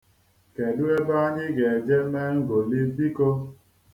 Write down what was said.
Kedu ebe anyị ga-eje mee ngoli biko?